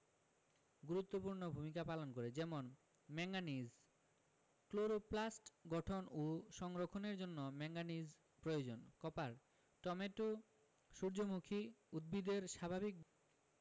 গুরুত্বপূর্ণ ভূমিকা পালন করে যেমন ম্যাংগানিজ ক্লোরোপ্লাস্ট গঠন ও সংরক্ষণের জন্য ম্যাংগানিজ প্রয়োজন কপার টমেটো সূর্যমুখী উদ্ভিদের স্বাভাবিক